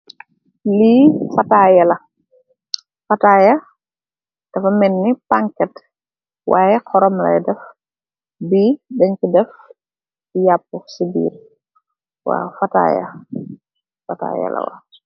Li fataya la. Fataya dafa melni pangket, wayeh horom laye def, bi deng si def yappu si birr. Waaw, fataya, fataya la, waaw.